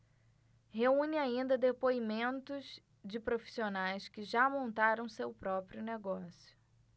reúne ainda depoimentos de profissionais que já montaram seu próprio negócio